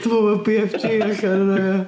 Dwi'n meddwl mae'r BFG allan yna ia.